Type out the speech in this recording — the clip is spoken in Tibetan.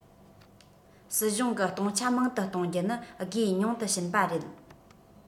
སྲིད གཞུང གི གཏོང ཆ མང དུ གཏོང རྒྱུ ནི དགོས ཉུང དུ ཕྱིན པ རེད